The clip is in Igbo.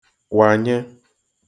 wànye